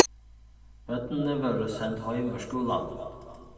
børnini vórðu send heim úr skúlanum